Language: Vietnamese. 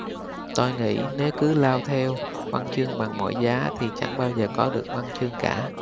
tôi nghĩ nếu cứ lao theo văn chương bằng mọi giá thì chẳng bao giờ có được văn chương cả